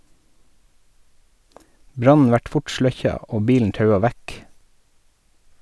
Brannen vart fort sløkkja og bilen taua vekk.